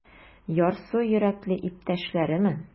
Ярсу йөрәкле иптәшләреме?